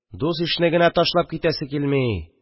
Дус-ишне генә ташлап китәсе килми.